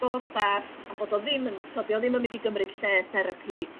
gofod saff a bod o ddim yn t'o' 'di o ddim yn mynd i gymryd lle therapi